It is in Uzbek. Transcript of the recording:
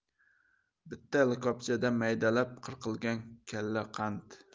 bitta likopchada maydalab qirqilgan kalla qand